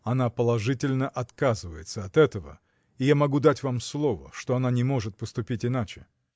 — Она положительно отказывается от этого — и я могу дать вам слово, что она не может поступить иначе.